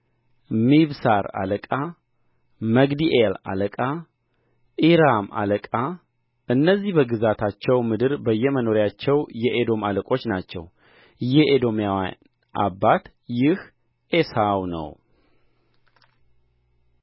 ሚብሳር አለቃ መግዲኤል አለቃ ዒራም አለቃ እነዚህ በግዛታቸው ምድር በየመኖሪያቸው የኤዶም አለቆች ናቸው የኤዶማውያን አባት ይህ ዔሳው ነው